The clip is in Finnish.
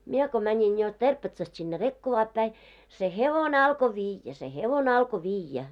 minä kun menin jo Terpetsasta sinne Rekkovaan päin se hevonen alkoi viedä se hevonen alkoi viedä